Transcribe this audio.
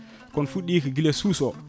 kono fuɗɗi ko guila e suus o